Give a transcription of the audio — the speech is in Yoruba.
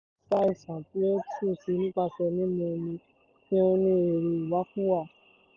"Nígbà tí ẹranko kan bá ń ṣàìsàn tí ó sì kú nípasẹ̀ mímu omi tí ó ní èérí ìwakùsà, a rí àwọn nǹkan funfun bíi iyọ̀ nígbàtí wọ́n la ikùn ẹran náà," Moahl sọ bẹ́ẹ̀.